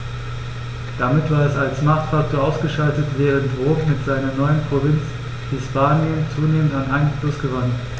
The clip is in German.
Damit war es als Machtfaktor ausgeschaltet, während Rom mit seiner neuen Provinz Hispanien zunehmend an Einfluss gewann.